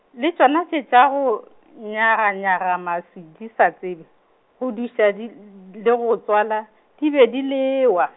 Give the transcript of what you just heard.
le tšona tše tša go , nyaganyaga maswi di sa tsebe, go duša di , le go tswala, di be di lewa.